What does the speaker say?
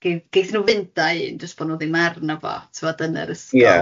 gei geith nhw fynd a un jyst bo' nhw ddim arno fo tibod yn yr ysgol... Ie.